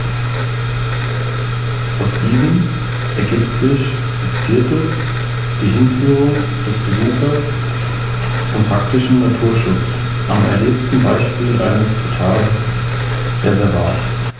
In Anbetracht ihrer Größe bewegen sich Steinadler in der Luft außerordentlich wendig und schnell, so wurde mehrfach beobachtet, wie sich ein Steinadler im Flug auf den Rücken drehte und so zum Beispiel einen verfolgenden Kolkraben erbeutete.